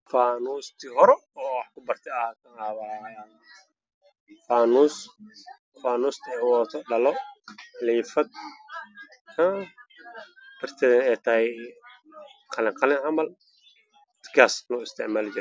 Waxaa yaalo aanuustii hore oo kale jeediyay cadaan korna qalin daran waa meel guduud ah